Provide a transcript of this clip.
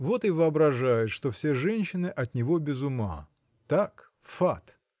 вот и воображает, что все женщины от него без ума – так, фат!